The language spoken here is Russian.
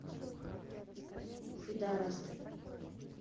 пидарасты